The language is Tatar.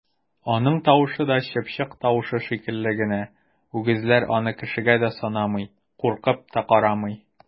Аның тавышы да чыпчык тавышы шикелле генә, үгезләр аны кешегә дә санамый, куркып та карамый!